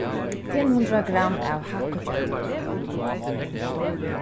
fimm hundrað gramm av hakkikjøti